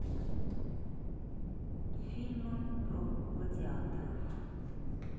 фильмы про гладиаторов